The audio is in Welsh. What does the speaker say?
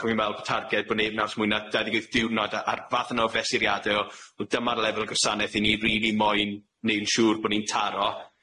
O' fi'n me'wl bo' targed bo' neb n aros mwy na dau ddeg wyth diwrnod a a'r fath yno o fesuriade o wel dyma'r lefel o gosaneth i ni rili moyn neu'n siŵr bo' ni'n taro.